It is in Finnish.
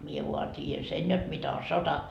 minä vain tiedän sen jotta mitä on sota